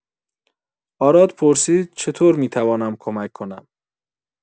آراد پرسید: «چطور می‌توانم کمک کنم؟»